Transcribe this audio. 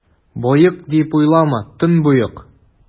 Боек, дип уйлама, төнбоек!